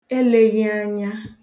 elēghịanya